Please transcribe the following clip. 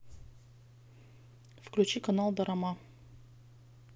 включи канал дорама